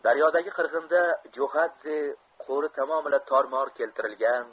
daryodagi qirg'inda jo'xadze qo'ri tamomila tor mor keltirilgan